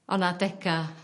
...o 'na adega